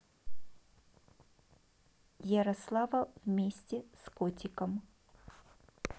ярослава вместе с котиком